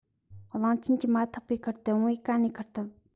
གླང ཆེན གྱིས མ ཐེག པའི ཁུར དེ བོང བུས ག ནས འཁུར ཐུབ